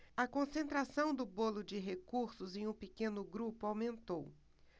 a concentração do bolo de recursos em um pequeno grupo aumentou